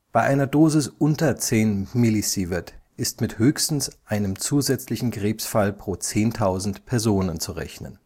einer Dosis unter 10 mSv ist mit höchstens einem zusätzlichen Krebsfall pro 10.000 Personen zu rechnen